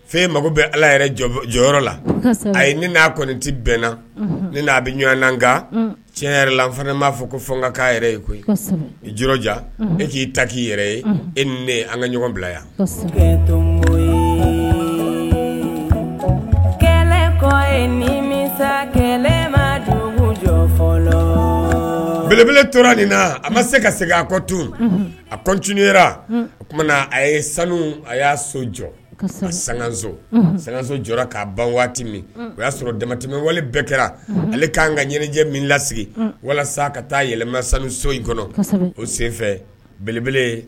Fɛn mako bɛ ala jɔyɔrɔ la ayi ni'a kɔni tɛ bɛnna ni'a bɛ ɲɔgɔn tiɲɛ yɛrɛ la an fana ne b'a fɔ ko kakan yɛrɛ ye koyi nija e k'i ta k'i yɛrɛ ye e ni ne an ka ɲɔgɔn bila yan jɔ belebele tora nin na a ma se ka segin a kɔ tun a koun o a ye sanu a y'a so jɔ sanso sanso jɔ k'a ban waati min o y'a sɔrɔ damatimɛwale bɛɛ kɛra ale ka'an ka ɲɛnajɛ min lasigi walasa ka taa yɛlɛma sanu so in kɔnɔ o senfɛ belebele